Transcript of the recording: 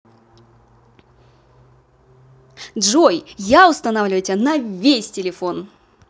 джой я устанавливаю тебя на весь телефон